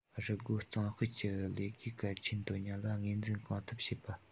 རུལ རྒོལ གཙང སྤེལ གྱི ལས ཀའི གལ ཆེན དོན སྙིང ལ ངོས འཛིན གང ཐུབ བྱེད པ